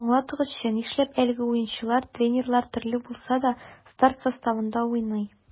Аңлатыгызчы, нишләп әлеге уенчылар, тренерлар төрле булса да, старт составында уйный?